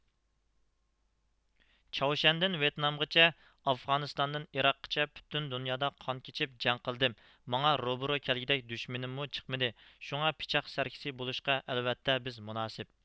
چاۋشيەندىن ۋېيتنامغىچە ئافغانىستاندىن ئىراققىچە پۈتۈن دۇنيادا قان كېچىپ جەڭ قىلدىم ماڭا روبىرو كەلگۈدەك دۈشمىنىممۇ چىقمىدى شۇڭا پىچاق سەركىسى بولۇشقا ئەلۋەتتە بىز مۇناسىپ